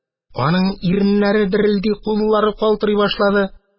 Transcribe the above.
Аның иреннәре дерелди, куллары калтырый башлады.